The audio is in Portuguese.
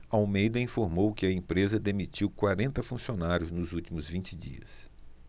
almeida informou que a empresa demitiu quarenta funcionários nos últimos vinte dias